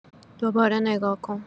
دوباره نگا کن